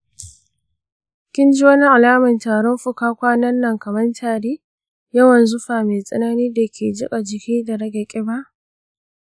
kinji wani alamun tarin fuka kwanan nan kaman tari, yawan zufa mai tsanani dake jiƙa jiki da rage ƙiba?